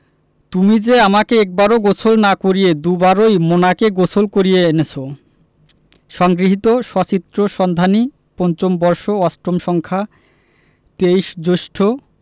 তুমি যে আমাকে একবারও গোসল না করিয়ে দুবারই মোনাকে গোসল করিয়ে এনেছো সংগৃহীত সচিত্র সন্ধানী৫ম বর্ষ ৮ম সংখ্যা ২৩ জ্যৈষ্ঠ